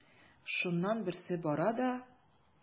Шуннан берсе бара да:.